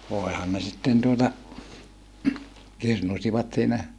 voinhan ne sitten tuota kirnusivat siinä